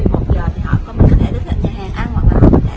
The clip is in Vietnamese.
tận nhà hàng ăn hoặc có